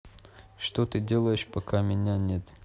что ты делаешь пока меня нет